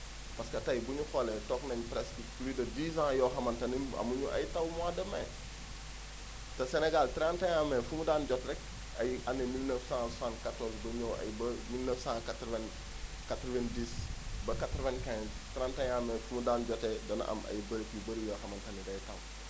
parce tey bu ñu xoolee toog nañ presque plus de 10 ans yoo xamante ni amuñu ay taw mois de mai te Sénégal 31 mai fu mu daan jot rek ay années 1974 ba ñëw ay ba 1990 ba 95 31 mai fu mu daan jotee dana am ay béréb yu bëri yoo xamante ni day taw